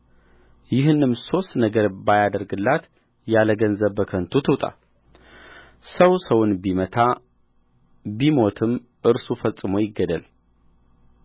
ይህንም ሦስት ነገር ባያደርግላት ያለ ገንዘብ በከንቱ ትውጣ ሰው ሰውን ቢመታ ቢሞትም እርሱ ፈጽሞ ይገደል